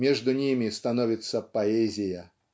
между ними становится поэзия.